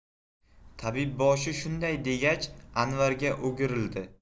tabibboshi shunday degach anvarga o'girildi